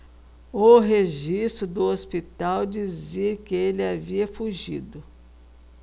o registro do hospital dizia que ele havia fugido